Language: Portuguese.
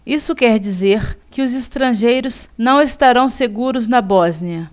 isso quer dizer que os estrangeiros não estarão seguros na bósnia